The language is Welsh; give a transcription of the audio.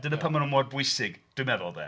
Dyna pam maen nhw mor bwysig, dwi'n meddwl, 'de.